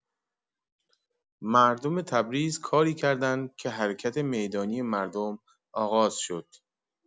مردم تبریز کاری کردند که حرکت می‌دانی مردم آغاز شد.